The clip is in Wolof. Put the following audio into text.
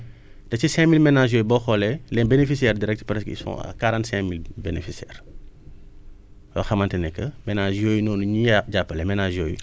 te ci cinq mille ménage yooyu boo xoolee les bénéficiares direct presque ils sont à qurante cinq mille bénéficiares yoo xamante ne que ménages yooyu noonu ñi * jàppale ménage yooyu